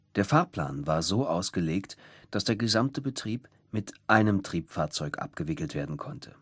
Der Fahrplan war so ausgelegt, dass der gesamte Betrieb mit einem Triebfahrzeug abgewickelt werden konnte